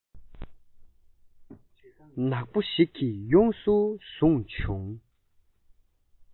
ནག པོ ཞིག གིས ཡོངས སུ བཟུང བྱུང